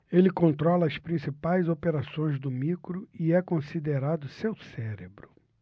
ele controla as principais operações do micro e é considerado seu cérebro